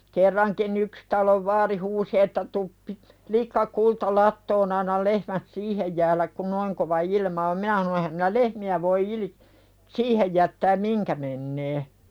kerrankin yksi talon vaari huusi että tule - likka kulta latoon anna lehmät siihen jäädä kun noin kova ilma on minä sanoin enhän minä lehmiä voi - siihen jättää mihin menee